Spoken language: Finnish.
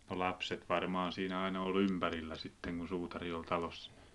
no lapset varmaan siinä aina oli ympärillä sitten kun suutari oli talossa